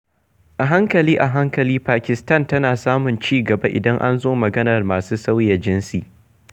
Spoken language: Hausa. A hankali a hankali, Pakistan tana samun cigaba idan an zo maganar walwalar masu sauya jinsi.